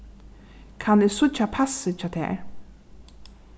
kann eg síggja passið hjá tær